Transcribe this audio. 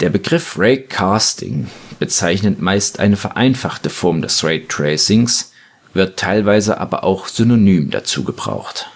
Begriff Raycasting bezeichnet meist eine vereinfachte Form des Raytracings, wird teilweise aber auch synonym dazu gebraucht